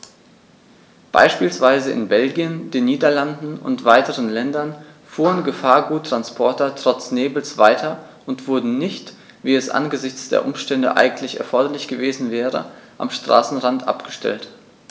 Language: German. Beispielsweise in Belgien, den Niederlanden und weiteren Ländern fuhren Gefahrguttransporter trotz Nebels weiter und wurden nicht, wie es angesichts der Umstände eigentlich erforderlich gewesen wäre, am Straßenrand abgestellt.